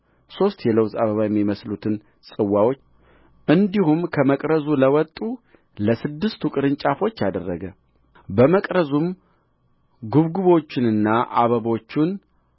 ሦስትም የለውዝ አበባ የሚመስሉትን ጽዋዎች እንዲሁም ከመቅረዙ ለወጡ ለስድስቱ ቅርንጫፎች አደረገ በመቅረዙም ጕብጕቦቹንና አበቦቹን